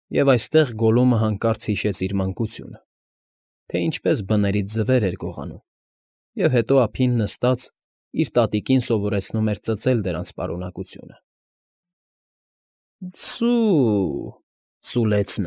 Եվ այստեղ Գոլլումը հանկարծ հիշեց իր մանկությունը, թե ինչպես բներից ձվեր էր գողանում և հետո, ափին նստած, իր տատիկին սովորեցնում էր ծծել դրանց պարունակությունը։ ֊ Ս֊ս֊սուլ֊սուլեց։